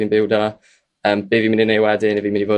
fi'n byw 'da yym be fi'n mynd i 'neud wedyn i fi'n mynd i fod